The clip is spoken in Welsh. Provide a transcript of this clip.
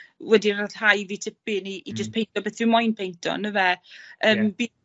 wedi ryddhau fi tipyn i i jyst peinto beth dwi moyn peinto on'd yfe? yym fi